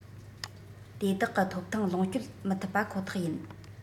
དེ དག གི ཐོབ ཐང ལོངས སྤྱོད མི ཐུབ པ ཁོ ཐག ཡིན